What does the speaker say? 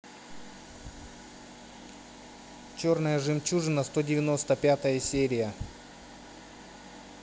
черная жемчужина сто девяносто пятая серия